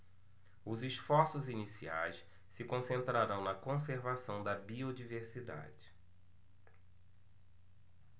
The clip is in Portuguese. os esforços iniciais se concentrarão na conservação da biodiversidade